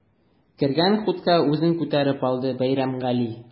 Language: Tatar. Кергән хутка үзен күтәреп алды Бәйрәмгали.